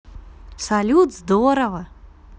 салют здорово